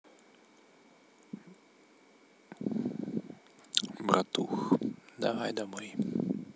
братух давай домой